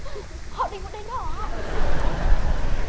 họ định vượt đèn đỏ à